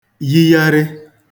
yigharị